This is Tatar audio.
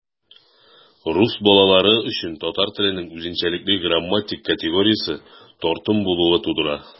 Рус балалары өчен татар теленең үзенчәлекле грамматик категориясе - тартым булуы тудыра.